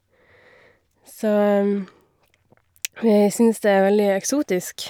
Så vi syns det er veldig eksotisk.